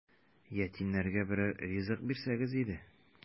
Ятимнәргә берәр ризык бирсәгез иде! ..